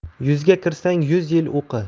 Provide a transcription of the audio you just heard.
yuzga kirsang yuz yil o'qi